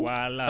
voilà